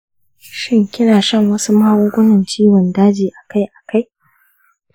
shin kina shan wasu magungunan ciwon daj akai-akai?